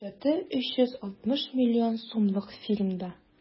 Бюджеты 360 миллион сумлык фильмда.